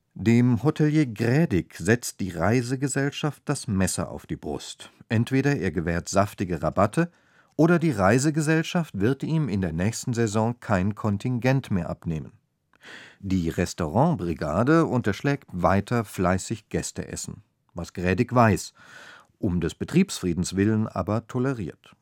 Dem Hotelier Grädik setzt die Reisegesellschaft das Messer auf die Brust: Entweder er gewährt saftige Rabatte, oder die Reisegesellschaft wird ihm in der nächsten Saison kein Kontingent mehr abnehmen. Die Restaurantbrigade unterschlägt weiter fleißig Gästeessen, was Grädik weiß, um des Betriebsfriedens Willen aber toleriert